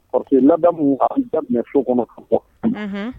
Parce que ladamu a bɛ daminɛ sokɔnɔ